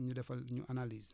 ñu defal ñu analyser